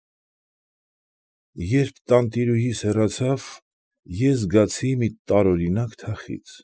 Երբ տանտիրուհիս հեռացավ, ես զգացի մի տարօրինակ թախիծ։